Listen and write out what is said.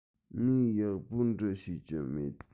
ངས ཡག པོ འབྲི ཤེས ཀྱི མེད